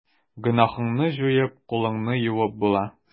Гөнаһыңны җуеп, кулыңны юып була.